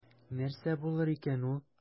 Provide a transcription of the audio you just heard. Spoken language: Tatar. Нәрсә булыр икән ул?